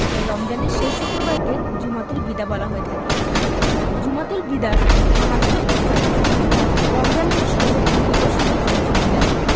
তাই রমজানের শেষ শুক্রবারকে জুমাতুল বিদা বলা হয়ে থাকে জুমাতুল বিদার মাহাত্ম্য অত্যধিক রমজান মাসের সর্বোত্তম দিবস হলো জুমাতুল বিদা